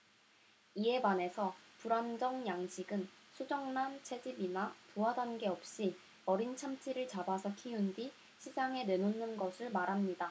이에 반해서 불안정 양식은 수정란 채집이나 부화 단계 없이 어린 참치를 잡아서 키운 뒤 시장에 내놓는 것을 말합니다